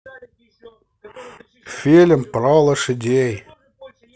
фильм про лошадей